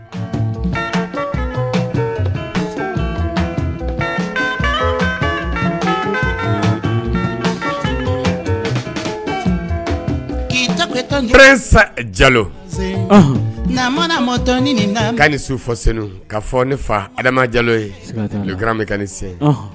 Jalo mana ma su fo sen ka fɔ ne fa jalo ye sen